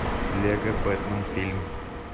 лего бэтман фильм